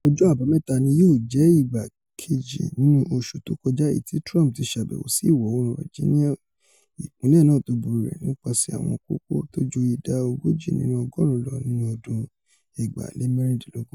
Ọjọ́ Àbámẹ́ta ni yóò jẹ́ ìgbà kejì nínú oṣù tókọjá èyití Trump ti ṣàbẹ̀wò sí Ìwọ-oòrùn Virginia, ìpínlẹ̀ náà tó borì rẹ̀ nípaṣẹ̀ àwọn kókó tóju ìdá ogójì nínú ọgọ́ọ̀rún lọ nínú ọdún 2016.